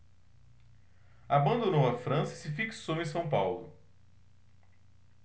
abandonou a frança e se fixou em são paulo